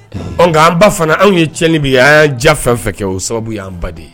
Ɔ an ba fana anw ye cɛnni bi ye an y'an ja fɛn fɛ kɛ o sababu y'an ba de ye